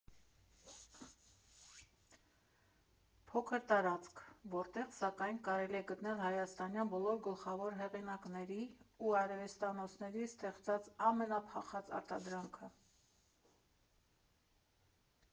Փոքր տարածք, որտեղ, սակայն, կարելի է գտնել հայաստանյան բոլոր գլխավոր հեղինակների ու արվեստանոցների ստեղծած ամենափախած արտադրանքը։